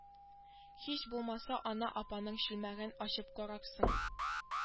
Һич булмаса анна апаның чүлмәген ачып карарсың